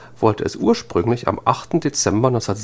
ursprünglich am 8. Dezember 1987